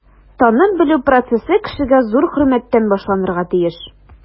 Танып-белү процессы кешегә зур хөрмәттән башланырга тиеш.